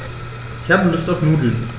Ich habe Lust auf Nudeln.